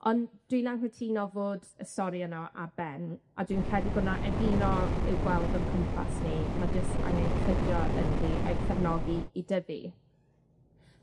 Ond dwi'n anghytuno fod y stori yno ar ben, a dwi'n credu bod na egino i'w gweld o'n cwmpas ni, ma' jyst angen cydio ynddi a'i chefnogi i dyfu.